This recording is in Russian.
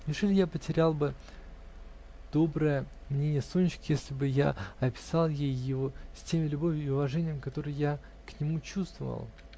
Неужели я потерял бы доброе мнение Сонечки, если бы я описал ей его с теми любовью и уважением, которые я к нему чувствовал?